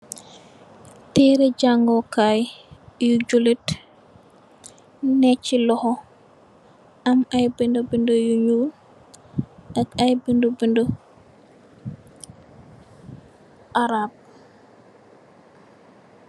Teré jangèè kai yu jullit yu neh ci loxo am ay bindi bindi yu ñuul ak ay bindi bindi Arab.